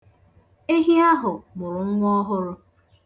Ehi ahụ mụrụ nwa ọhụrụ.